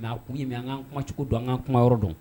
Nka ko ye an ka kumacogo don an ka kuma yɔrɔ dɔn